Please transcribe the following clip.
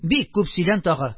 Бик күп сөйлән тагын!